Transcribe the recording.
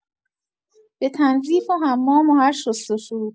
به تنظیف و حمام و هر شستشو.